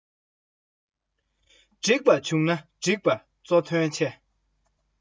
འགྲིག པ བྱུང ན འགྲིགས པ གཙོ དོན ཆེ